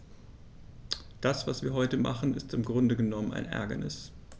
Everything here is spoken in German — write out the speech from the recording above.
Das, was wir heute machen, ist im Grunde genommen ein Ärgernis.